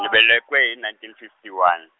ni velekiwe hi nineteen fifty one.